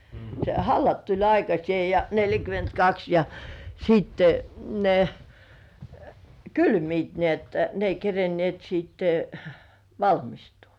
se hallat tuli aikaiseen ja neljäkymmentäkaksi ja sitten ne kylmivät niin että ne ei kerinneet sitten valmistua